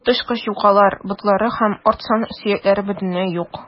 Коточкыч юкалар, ботлары һәм арт сан сөякләре бөтенләй юк.